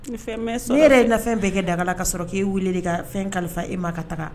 Ni fɛn sɔn e yɛrɛ ye na fɛn bɛɛ kɛ dagala ka sɔrɔ k'i weele de ka fɛn kalifa e ma ka taga